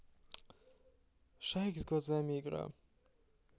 шарик с глазами игра